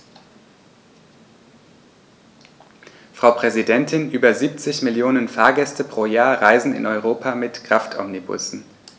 Frau Präsidentin, über 70 Millionen Fahrgäste pro Jahr reisen in Europa mit Kraftomnibussen.